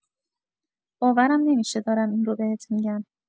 باورم نمی‌شه دارم این رو بهت می‌گم.